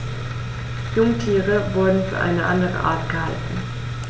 Jungtiere wurden für eine andere Art gehalten.